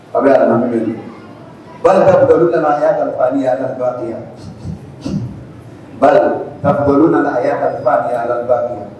A bɛ ala lam mi bala la a y'a kalifa y'a yan ba ka kɔnɔn la a y'a kalifa tɛ y'a layan